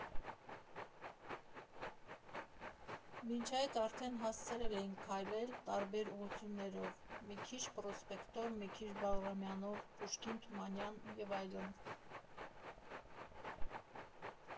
Մինչ այդ արդեն հասցրել էինք քայլել տարբեր ուղղություններով՝ մի քիչ Պրոսպեկտով, մի քիչ Բաղրամյանով, Պուշկին֊Թումանյան, և այլն։